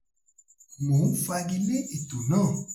Mò ń fagi lé ètò náà.